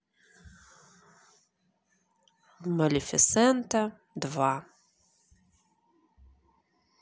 малифисента два